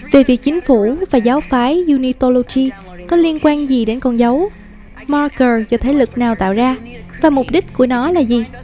về việc chính phủ và giáo phái unitology có liên quan gì đến con dấu marker do thế lực nào tạo ra và mục đích của nó là gì